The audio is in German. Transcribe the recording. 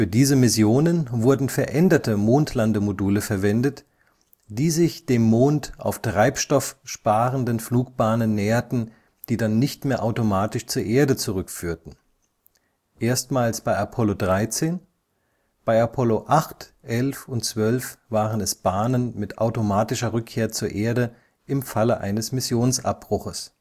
diese Missionen wurden veränderte Mondlandemodule verwendet, die sich dem Mond auf treibstoffsparenden Flugbahnen näherten, die dann nicht mehr automatisch zur Erde zurückführten (erstmals bei Apollo 13; bei Apollo 8, 11 und 12 waren es Bahnen mit automatischer Rückkehr zur Erde im Falle eines Missionsabbruches